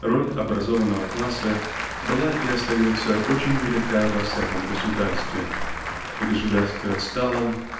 Роль образованного класса была и остается очень велика во всяком государстве в государстве отсталом